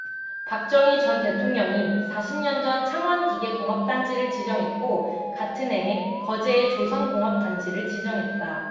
박정희 전 대통령이 사십 년전 창원기계공업단지를 지정했고 같은해에 거제에 조선공업단지를 지정했다